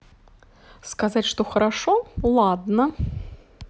сказать что хорошо ладно